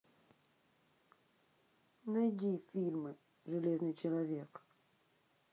найди фильмы железный человек